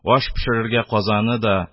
Аш пешерергә казаны да,